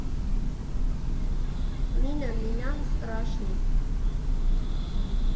Մինը մինան ստռաշնի։